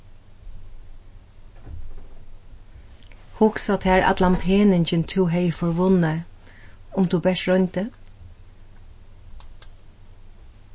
hugsa tær allan peningin tú hevði forvunnið um tú bert royndi